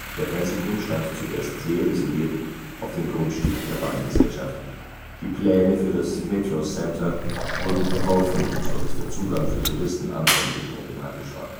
Der Fernsehturm stand zuerst sehr isoliert auf dem Grundstück der Bahngesellschaft. Die Pläne für das Metro Centre wurden verworfen, so dass der Zugang für Touristen anfänglich problematisch war